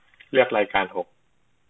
เลือกรายการหก